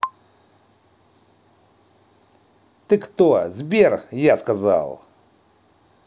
ты кто сбер я сказал